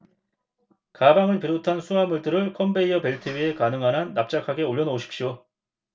가방을 비롯한 수하물들을 컨베이어 벨트 위에 가능한 한 납작하게 올려놓으십시오